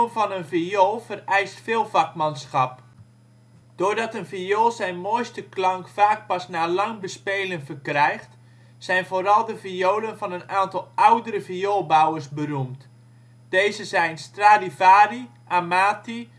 van een viool vereist veel vakmanschap. Doordat een viool zijn mooiste klank vaak pas na lang bespelen verkrijgt, zijn vooral de violen van een aantal oudere vioolbouwers beroemd. Deze zijn: Stradivari Amati